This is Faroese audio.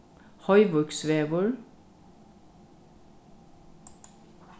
hoyvíksvegur